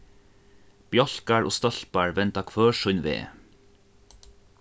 bjálkar og stólpar venda hvør sín veg